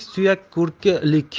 suyak ko'rki ilik